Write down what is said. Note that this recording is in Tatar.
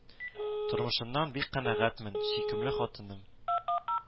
Тормышымнан бик канәгатьмен, сөйкемле хатыным